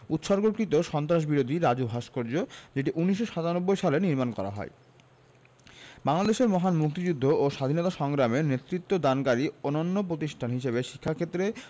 উৎসর্গকৃত সন্ত্রাসবিরোধী রাজু ভাস্কর্য যেটি১৯৯৭ সালে নির্মাণ করা হয়বাংলাদেশের মহান মুক্তিযুদ্ধ ও স্বাধীনতা সংগ্রামে নেতৃত্বদানকারী অনন্য প্রতিষ্ঠান হিসেবে শিক্ষা ক্ষেত্রে